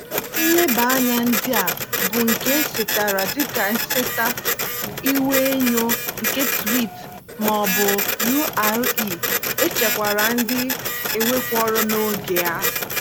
Nleba anya ndị a bụ nke e setara dika nseta ihuenyo nke tweets ma ọ bụ URL echekwara ndị ewekọrọ n'oge a.